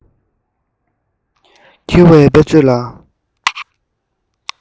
འཁྱིལ པའི དཔེ མཛོད ལ